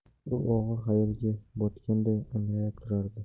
u og'ir xayolga botgandek angrayib turardi